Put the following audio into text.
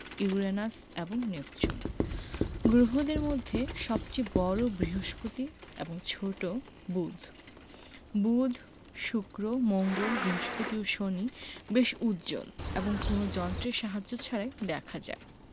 Uranus এবং Neptune গ্রহদের মধ্যে সবচেয়ে বড় বৃহস্পতি এবং ছোট বুধ বুধ শুক্র মঙ্গল বৃহস্পতি ও শনি বেশ উজ্জ্বল এবং কোনো যন্ত্রের সাহায্য ছাড়াই দেখা যায়